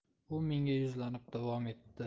u menga yuzlanib davom etdi